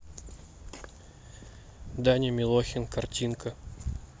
даня милохин картинка